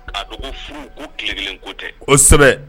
Kaa dogo furu ko tile kelen ko tɛ o kosɛbɛ